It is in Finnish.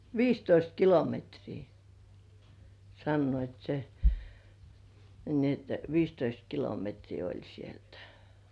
viisitoista kilometriä sanoivat sen niin että viisitoista kilometriä oli sieltä